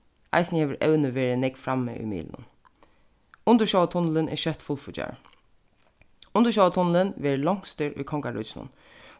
eisini hevur evnið verið nógv frammi í miðlunum undirsjóvartunnilin er skjótt fullfíggjaður undirsjóvartunnilin verður longstur í kongaríkinum